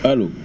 allo